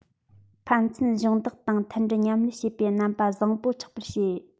ཕན ཚུན གཞོགས འདེགས དང མཐུན སྒྲིལ མཉམ ལས བྱེད པའི རྣམ པ བཟང པོ ཆགས པར བྱས